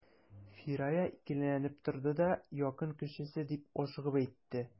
Фирая икеләнеп торды да: — Якын кешесе,— дип ашыгып әйтте.